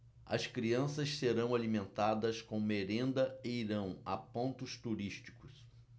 as crianças serão alimentadas com merenda e irão a pontos turísticos